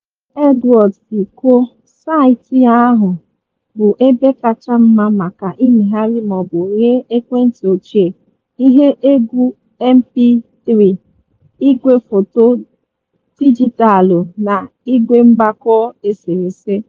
Dịka Edward si kwuo, saịtị ahụ “bụ ebe kacha mma maka imegharị maọbụ ree ekwentị ochie, ihe egwu mp3, igwefoto dijitaalụ na igwemgbakọ eserese.